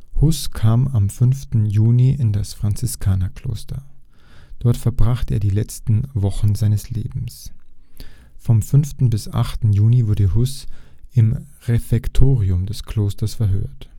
Hus kam am 5. Juni in das Franziskanerkloster. Dort verbrachte er die letzten Wochen seines Lebens. Vom 5. bis 8. Juni wurde Hus im Refektorium des Klosters verhört